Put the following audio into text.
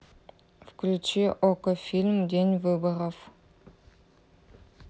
включи окко фильм день выборов